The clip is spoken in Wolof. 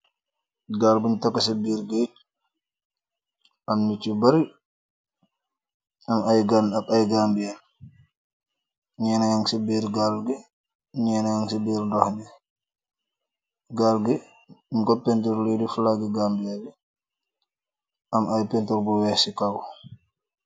Gaal bung tek ci biir greg am nit cu bari am ay gann ak ay gambian neena yang ci biir gaal gi neena yang ci biir dox bi gaal gi nu koppentur luy di flag gambie yi am ay pentor bu weex ci kaw.